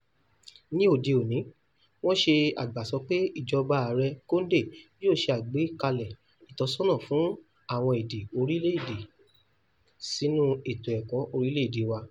Ní òde òní, wọ́n ṣe àgbàsọ pé ìjọba Ààrẹ Condé yóò ṣe àgbékalẹ̀ ìtọ́nisọ́nà fún àwọn èdè orílẹ̀ èdè sínú ètò ẹ̀kọ́ orílẹ̀ èdè wa.